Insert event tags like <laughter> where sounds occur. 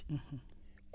<hesitation> <hesitation>